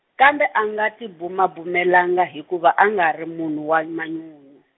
kambe a nga tibumabumelanga hikuva a nga ri munhu wa manyunyu.